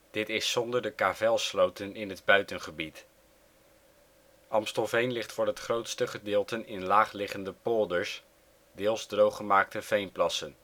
dit is zonder de kavelsloten in het buitengebied. Amstelveen ligt voor het grootste gedeelte in laagliggende polders, deels drooggemaakte veenplassen